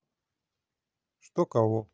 что кого